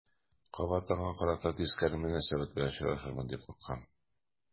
Кабат аңа карата тискәре мөнәсәбәт белән очрашырмын дип куркам.